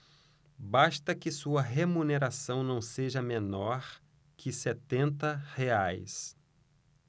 basta que sua remuneração não seja menor que setenta reais